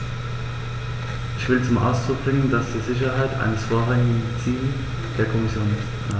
Ich will zum Ausdruck bringen, dass die Sicherheit ein vorrangiges Ziel der Kommission ist.